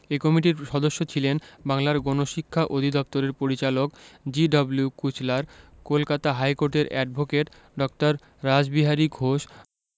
এ কমিটির সদস্য ছিলেন বাংলার গণশিক্ষা অধিদপ্তরের পরিচালক জি.ডব্লিউ কুচলার কলকাতা হাইকোর্টের অ্যাডভোকেট ড. রাসবিহারী ঘোষ